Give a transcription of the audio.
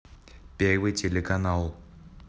первый телеканал